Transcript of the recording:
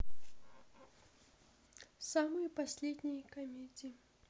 самые последние комедии